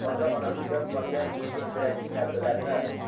ota onamizdan qolgan o'ziga kerakli narsalarni